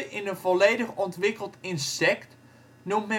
in een volledig ontwikkeld insect noemt